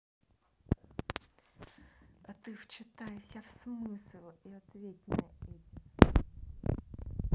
а ты вчитайся в смысл и ответь на эти слова